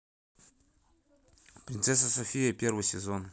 принцесса софия первый сезон